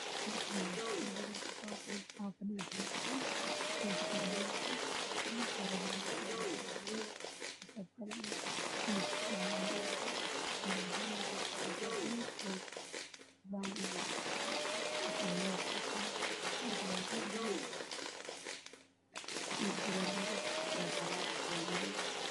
Meeshan waxaa fadhiya gabdho farabadan oo wax baranaya a waxay wadataa xijaa madow ah midda ku xigto waxay wada xijaab baluug